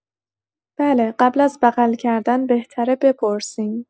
بله، قبل از بغل کردن بهتره بپرسیم.